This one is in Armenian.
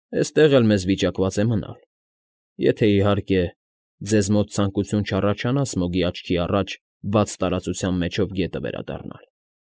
Էստեղ էլ մեզ վիճակված է մնալ, եթե, իհարկե, ձեզ մոտ ցանկություն չառաջանա Սմոգի աչքի առաջ բաց տարածության միջով գետը վերադառնալ։